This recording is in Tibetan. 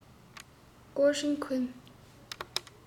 ཀུའོ ཧྲེང ཁུན